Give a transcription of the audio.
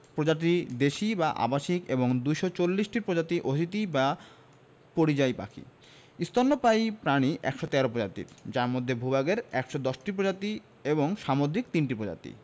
প্রজাতি দেশী বা আবাসিক এবং ২৪০ টি প্রজাতি অতিথি বা পরিযায়ী পাখি স্তন্যপায়ী প্রাণী ১১৩ প্রজাতির যার মধ্যে ভূ ভাগের ১১০ প্রজাতি ও সামুদ্রিক ৩ টি প্রজাতি